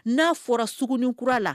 N'a fɔra sugunɛin kura la